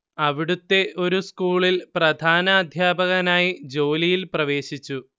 അവിടുത്തെ ഒരു സ്കൂളിൽ പ്രധാന അദ്ധ്യാപകനായി ജോലിയിൽ പ്രവേശിച്ചു